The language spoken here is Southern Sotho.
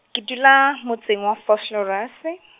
ke dula motseng wa Vosloorus.